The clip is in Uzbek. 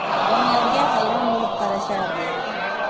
doniyorga hayron bo'lib qarashardi